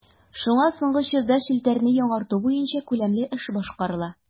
Шуңа соңгы чорда челтәрне яңарту буенча күләмле эш башкарыла.